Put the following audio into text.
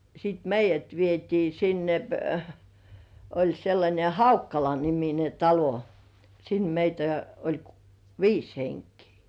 ja sitten meidät vietiin sinne oli sellainen Haukkala-niminen talo sinne meitä oli - viisi henkeä